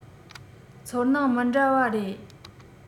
ཚོར སྣང མི འདྲ བ རེད